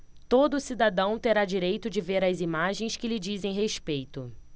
todo cidadão terá direito de ver as imagens que lhe dizem respeito